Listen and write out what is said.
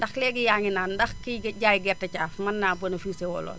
ndax léegi yaa ngi naan ndax kiy jaay gerte caaf mën naa bénéfice woo loolu